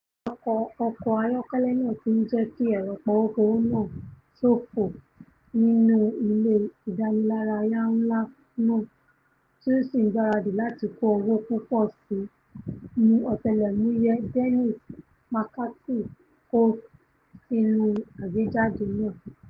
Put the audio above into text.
Awạko ọkọ̀ ayọ́kẹ́lẹ́ náà ti ń jẹ́kí ẹ̀rọ pọwó-pọwó náà sófo nínú ilé ìdánilárayá ńlá náà tí ó sì ń gbaradì láti kó owó púpọ̀ síi, ni Ọ̀tẹlẹ̀múyẹ Dennis McCarthy kọ sínú àgbéjáde náà.